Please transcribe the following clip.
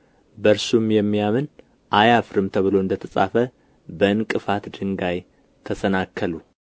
በእርሱም የሚያምን አያፍርም ተብሎ እንደ ተጻፈ በእንቅፋት ድንጋይ ተሰናከሉ